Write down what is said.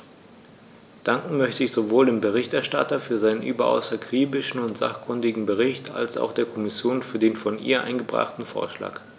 Danken möchte ich sowohl dem Berichterstatter für seinen überaus akribischen und sachkundigen Bericht als auch der Kommission für den von ihr eingebrachten Vorschlag.